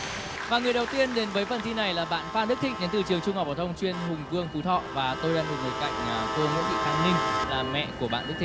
và người đầu tiên đến với phần thi này là bạn phan đức thịnh đến từ trường trung học phổ thông chuyên hùng vương phú thọ và tôi đang được ngồi cạnh cô nguyễn thị khang ninh là mẹ của bạn đức